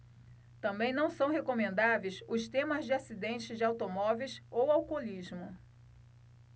também não são recomendáveis os temas de acidentes de automóveis ou alcoolismo